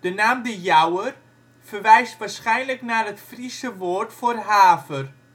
naam de Jouwer verwijst waarschijnlijk naar het Friese woord voor haver